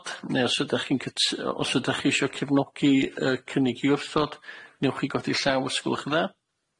ne' os ydach chi'n cytu- os ydach chi isio cefnogi y cynnig i wrthod, newch chi godi llaw os gwelwch yn dda.